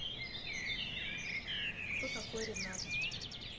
кто такой ренат